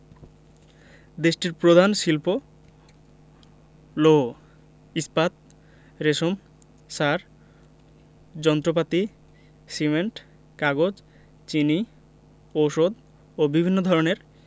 দেশটির প্রধান শিল্প লৌ ইস্পাত রেশম সার যন্ত্রপাতি সিমেন্ট কাগজ চিনি ঔষধ ও বিভিন্ন ধরনের